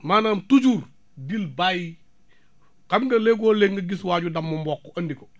maanaam toujours dil bàyyi xam nga léegoo léeg nga gis waa ju damm mboq andi ko